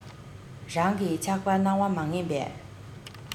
རང གི ཆགས པ སྣང བ མ ངེས པས